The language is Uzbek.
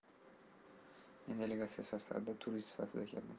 men delegatsiya sostavida turist sifatida keldim